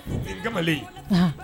O kamalen